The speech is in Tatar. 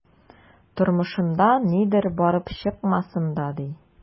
Тормышында нидер барып чыкмасын да, ди...